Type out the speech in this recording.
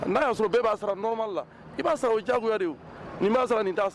N'a y'a sɔrɔ bɛɛ b'a sɔrɔma la i b'a sɔrɔ o jago n'a nin taa